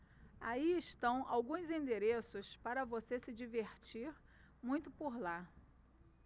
aí estão alguns endereços para você se divertir muito por lá